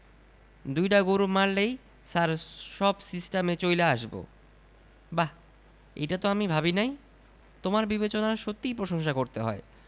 দুইডা গরু মারলেই ছার সব সিস্টামে চইলা আসবো বাহ এইটা তো আমি ভাবিনাই তোমার বিবেচনার সত্যিই প্রশংসা করতে হয়